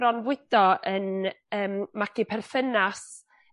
bronfwydo yn yym magu perthynas